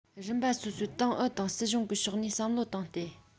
རིམ པ སོ སོའི ཏང ཨུ དང སྲིད གཞུང གི ཕྱོགས ནས བསམ བློ བཏང སྟེ